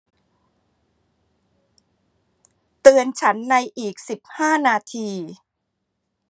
เตือนฉันในอีกสิบห้านาที